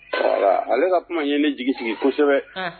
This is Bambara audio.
Aa ale ka kuma ye ne jigi sigi kosɛbɛ